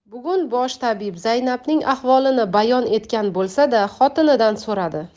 bugun bosh tabib zaynabning ahvolini bayon etgan bo'lsa da xotinidan so'radi